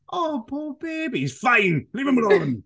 "Oh, poor baby! He's fine! Leave him alone ."